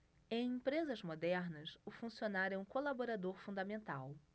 em empresas modernas o funcionário é um colaborador fundamental